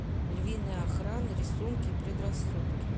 львиная охрана рисунки и предрассудки